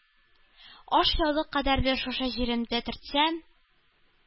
Ашъяулык кадәрле шушы җиремдә төртсәм